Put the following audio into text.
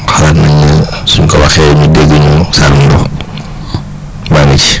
xalaat nañ ne suñ ko waxee ñu dégg ñu Salom dox maa ngi ci